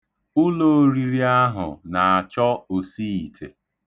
Ụlooriri ahụ na-achọ osiite.